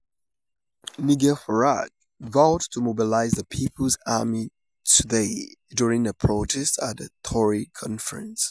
Nigel Farage vowed to 'mobilize the people's army' today during a protest at the Tory conference.